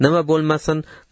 nima bo'lmasin